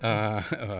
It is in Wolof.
waa